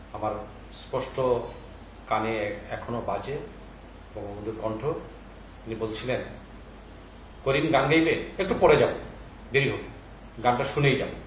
আমার স্পষ্ট কানে এখনো বাজে বঙ্গবন্ধুর কন্ঠ তিনি বলছিলেন করিম গান গাইবে একটু পরে যাব দেরি হোক গানটা শুনেই যাব